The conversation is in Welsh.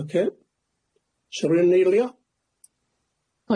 Ocê siarad yn eilio?